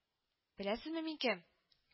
- беләсезме, мин кем